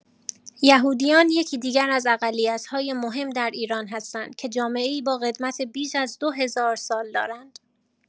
یهودیان یکی دیگر از اقلیت‌های مهم در ایران هستند که جامعه‌ای با قدمت بیش از دو هزار سال دارند.